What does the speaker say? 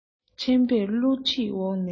འཕྲིན པས བསླུ བྲིད འོག ནས